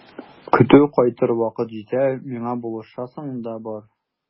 Көтү кайтыр вакыт җитә, миңа булышасың да бар.